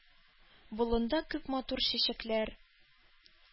Болында күп матур чәчәкләр,